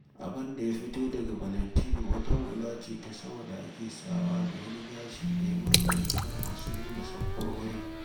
Abin da ya fito daga Valentino wata hula ce ta sama da ake sawa da wani gashi da ya mamaye kan masu nuna samfurorin.